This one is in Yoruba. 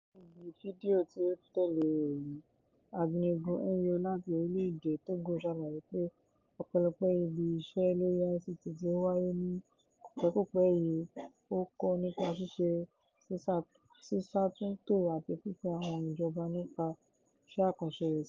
Níbi fídíò tí ó tẹ́lẹ̀ èyí, Agnegue Enyo láti orílẹ̀ èdè Togo ṣàlàyé pé ọpẹ́lọpẹ́ ibi iṣẹ́ lórí ICT tí ó wáyé ní kòpẹ́kòpẹ́ yìí, ó kọ́ nípa ṣíṣe, sísàtúntò àti fífi àwọn ìjábọ̀ nípa iṣẹ́ àkànṣe rẹ̀ sílẹ̀.